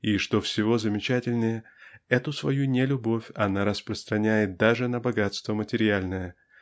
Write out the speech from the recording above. и -- что всего замечательнее -- эту свою нелюбовь она распространяет даже на богатство материальное